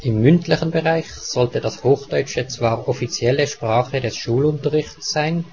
mündlichen Bereich sollte das Hochdeutsche zwar offizielle Sprache des Schulunterrichts sein